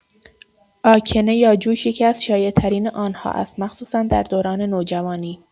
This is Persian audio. آکنه یا جوش یکی‌از شایع‌ترین آن‌ها است، مخصوصا در دوران نوجوانی.